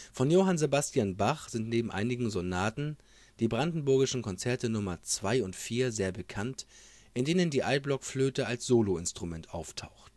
Von Johann Sebastian Bach sind neben einigen Sonaten die Brandenburgischen Konzerte Nr. 2 und 4 sehr bekannt, in denen die Altblockflöte als Soloinstrument auftaucht